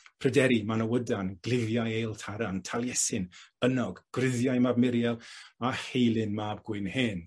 Pryderi, Manawydan, Glirieu Eil Taran, Taliesin, Ynog, Gruddyau mab Muriel, a Heilyn mab Gwyn Hen.